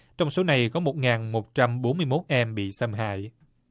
trong số này có một ngàn một trăm bốn mươi mốt em bị xâm hại